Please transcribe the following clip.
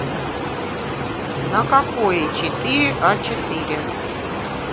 на какое четыре а четыре